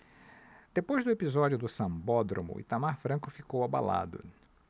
depois do episódio do sambódromo itamar franco ficou abalado